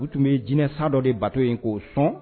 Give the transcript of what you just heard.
U tun bɛ j sa dɔ de bato in k'o sɔn